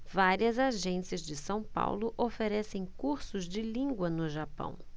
várias agências de são paulo oferecem cursos de língua no japão